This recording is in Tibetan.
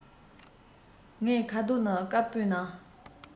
ངའི ཁ དོག ནི དཀར པོའི ནང